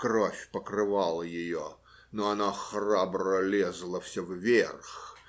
кровь покрывала ее, но она храбро лезла все вверх